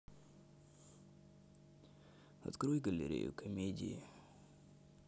открой галерею комедии